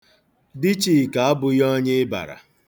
Di Chika abụghị onye ịbara.